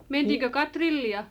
mentiinkö katrillia